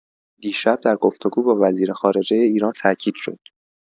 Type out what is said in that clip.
دیشب در گفت‌وگو با وزیر خارجه ایران تاکید شد.